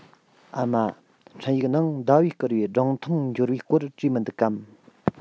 ཨ མ འཕྲིན ཡིག ནང ཟླ བས བསྐུར བའི སྒྲུང ཐུང འབྱོར བའི སྐོར བྲིས མི འདུག གམ